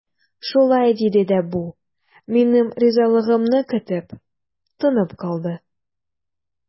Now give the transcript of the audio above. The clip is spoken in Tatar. Шулай диде дә бу, минем ризалыгымны көтеп, тынып калды.